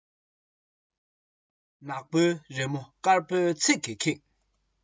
ནག པོའི རི མོ དཀར པོའི ཚིག གིས ཁེངས